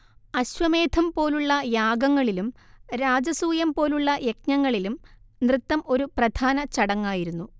അശ്വമേധം പോലുള്ള യാഗങ്ങളിലും രാജസൂയം പോലുള്ള യജ്ഞങ്ങളിലും നൃത്തം ഒരു പ്രധാന ചടങ്ങായിരുന്നു